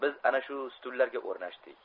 biz ana shu stullarga o'mashdik